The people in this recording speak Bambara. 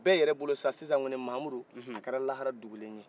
bɛɛ yɛrɛ bolo sa sinsa mamudu a kɛrɛ lahara dungulen ye